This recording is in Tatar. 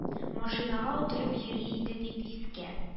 Машинага утырып йөри иде дип искә